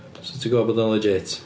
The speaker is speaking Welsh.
So ti'n gwbod bod o'n legit.